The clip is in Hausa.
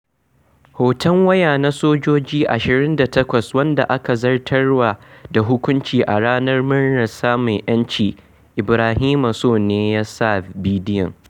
Hoton waya na sojoji 28 waɗanda aka zartarwa da hukunci a Ranar Murnar Samun 'Yanci - Ibrahima Sow ne ya sa bidiyon.